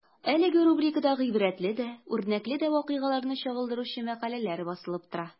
Әлеге рубрикада гыйбрәтле дә, үрнәкле дә вакыйгаларны чагылдыручы мәкаләләр басылып тора.